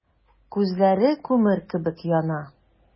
Күзләре күмер кебек яна.